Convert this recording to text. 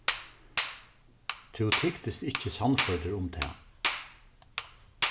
tú tyktist ikki sannførdur um tað